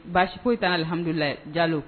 Basi foyi te yen alihamudulila jalo.